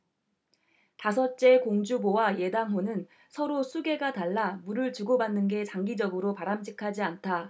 다섯째 공주보와 예당호는 서로 수계가 달라 물을 주고받는 게 장기적으로 바람직하지 않다